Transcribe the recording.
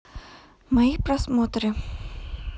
мои просмотры